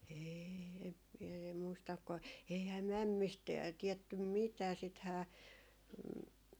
ei en minä en muista kun eihän mämmistä tiedetty mitään sittenhän